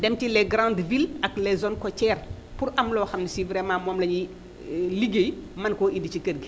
dem ci les grandes villes ak les zones cotières pour am loo xam ne si vraiment moom la ñuy liggéey mën koo indi ci kër gi